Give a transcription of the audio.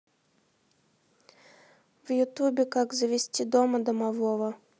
в ютубе как завести дома домового